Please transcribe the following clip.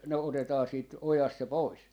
ne otetaan siitä ojasta se pois